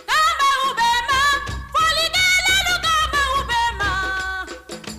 Den' bɛ fɛ wa tɛ tile tɛ' bɛ ba